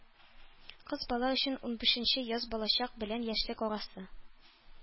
Кыз бала өчен унбишенче яз балачак белән яшьлек арасы.